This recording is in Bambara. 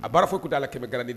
A baara fo kun ta la kɛmɛ ganani